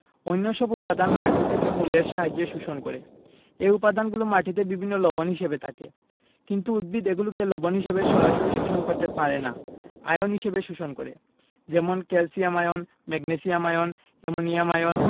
অন্যসব উপাদান মাটি থেকে মূলের সাহায্যে শোষণ করে এ উপাদানগুলো মাটিতে বিভিন্ন লবণ হিসেবে থাকে কিন্তু উদ্ভিদ এগুলোকে লবণ হিসেবে সরাসরি শোষণ করতে পারে না আয়ন হিসেবে শোষণ করে যেমন calcium ion magnesium ion ammonium ion